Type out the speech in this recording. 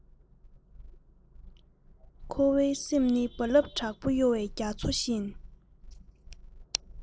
ཁོ བོའི སེམས ནི རྦ རླབས དྲག པོ གཡོ བའི རྒྱ མཚོ བཞིན